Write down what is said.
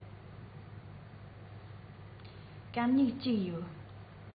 སྐམ སྨྱུག གཅིག ཡོད